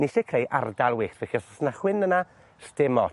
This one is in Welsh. Ni isie creu ardal wyllt, felly os o's na chwyn yna, 'sdim ots.